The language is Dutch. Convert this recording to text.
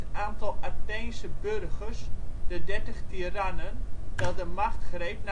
aantal Atheense burgers, de Dertig Tirannen, dat de macht greep